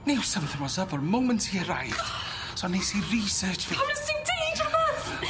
Knew something was up o'r moment he arrived, so nes i research fi... Pam nest ti'm deud rwbath?